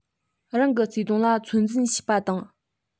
རང གི བརྩེ དུང ལ ཚོད འཛིན ཤེས པ དང